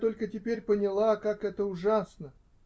Я только теперь поняла, как это ужасно!